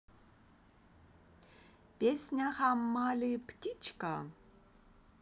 песня hammali птичка